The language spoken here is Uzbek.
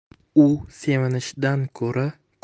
u sevinishdan ko'ra